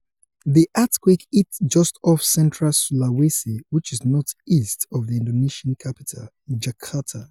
The earthquake hit just off central Sulawesi which is northeast of the Indonesian capital, Jakarta.